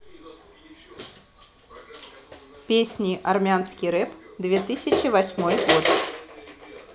песня армянский рэп две тысячи восьмой год